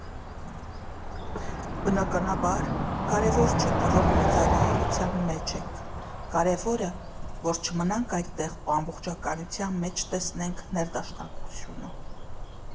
Բնականաբար, կարևոր չէ, թե որ մի ծայրահեղության մեջ ենք, կարևորը, որ չմնանք այդտեղ ու ամբողջականության մեջ տեսնենք ներդաշնակությունը։